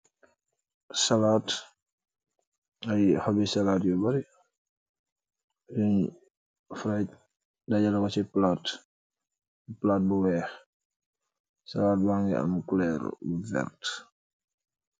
Salaat, aye hoobe salaat yu bary yun fereg dajeleku se palate, palate bu weeh, salaat bagi am coloor bu werrta.